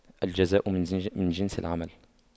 الجزاء من جنس العمل